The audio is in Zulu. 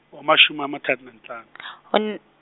amashumi amathathu nanhlanu .